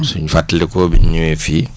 suñ fàttalikoo biñ ñëwee fii